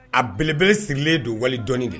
A belebele sirilen don wali dɔɔnni de